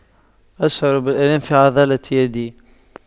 اشعر بالآلام في عضلة يدي